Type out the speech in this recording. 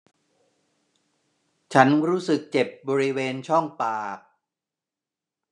ฉันรู้สึกเจ็บบริเวณช่องปาก